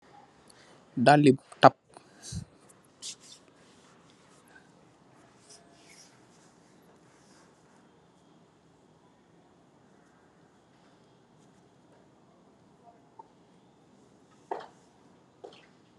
Dalli tap.